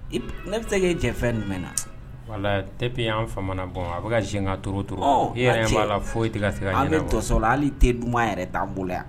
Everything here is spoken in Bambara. Ne bɛ se e cɛfɛn jumɛn na wala tɛpi an fa bɔ a bɛka ka senka toro to yɛrɛ b'a la foyi tosɔ la hali tɛ dun yɛrɛ t' an bolo yan